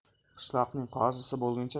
qishloqning qozisi bo'lguncha